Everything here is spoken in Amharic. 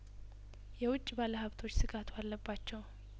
የውጪ ባለሀብቶች ስጋቱ አለባቸው